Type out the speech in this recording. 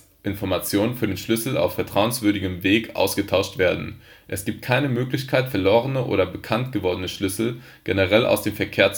Schlüssel und Echtheitsinformationen für den Schlüssel auf vertrauenswürdigem Weg ausgetauscht werden. Es gibt keine Möglichkeit, „ verlorene “oder bekannt gewordene Schlüssel generell aus dem Verkehr